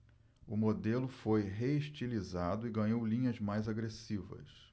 o modelo foi reestilizado e ganhou linhas mais agressivas